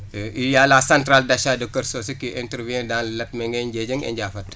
il y' a la centrale d' achat de Keur Socé qui intervient dans Latmingué Ndiédiène et Ndiafate